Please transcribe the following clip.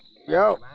dô